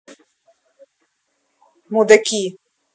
мудаки